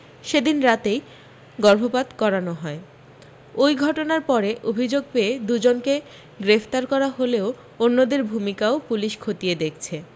সেদিন রাতেই গর্ভপাত করানো হয় ওই ঘটনার পরে অভি্যোগ পেয়ে দুজনকে গ্রেফতার করা হলেও অন্যদের ভূমিকাও পুলিশ খতিয়ে দেখছে